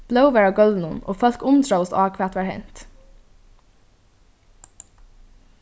blóð var á gólvinum og fólk undraðust á hvat var hent